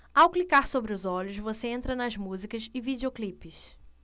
ao clicar sobre os olhos você entra nas músicas e videoclipes